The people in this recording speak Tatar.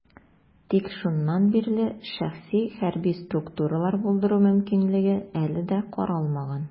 Тик шуннан бирле шәхси хәрби структуралар булдыру мөмкинлеге әле дә каралмаган.